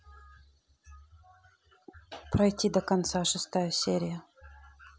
пройти до конца шестая серия